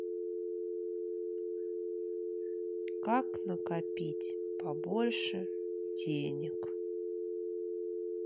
как накопить побольше денег